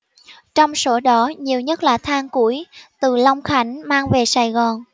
trong số đó nhiều nhất là than củi từ long khánh mang về sài gòn